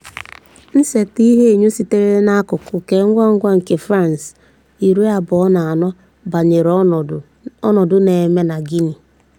Nsete ihuenyo sitere n'akukọ kengwangwa nke France 24 banyere ọnọdụ na-eme na Guinea.